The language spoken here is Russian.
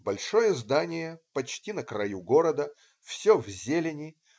Большое здание, почти на краю города, все в зелени.